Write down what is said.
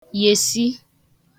yèsi